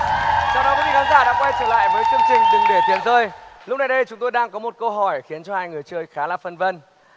chào đón quý vị khán giả đã quay trở lại với chương trình đừng để tiền rơi lúc này đây chúng tôi đang có một câu hỏi khiến cho hai người chơi khá là phân vân